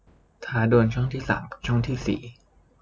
ท้าดวลช่องที่สามกับช่องที่สี่